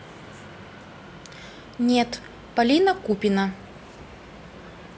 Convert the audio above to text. нет полина купина